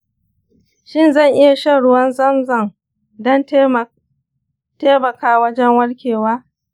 shin zan iya shan ruwan zamzam don ya taimaka wajen warkewa?